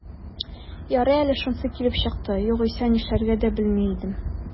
Ярый әле шунысы килеп чыкты, югыйсә, нишләргә дә белми идем...